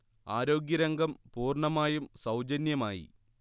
ആരോഗ്യരംഗം പൂർണ്ണമായും സൗജന്യമായി